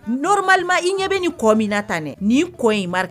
Normalement i ɲɛ bɛ nin kɔ min na tan dɛ nin kɔ in